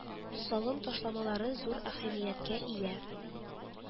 Салым ташламалары зур әһәмияткә ия